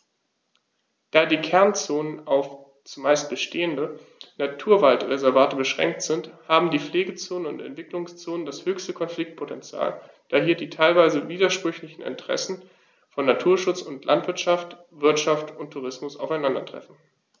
Da die Kernzonen auf – zumeist bestehende – Naturwaldreservate beschränkt sind, haben die Pflegezonen und Entwicklungszonen das höchste Konfliktpotential, da hier die teilweise widersprüchlichen Interessen von Naturschutz und Landwirtschaft, Wirtschaft und Tourismus aufeinandertreffen.